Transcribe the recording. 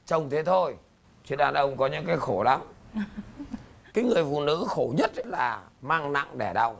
trông thế thôi chứ đàn ông có những cái khổ lắm cái người phụ nữ khổ nhất ấy là mang nặng đẻ đau